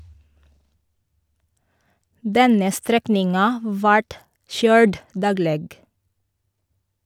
Denne strekninga vart køyrd dagleg.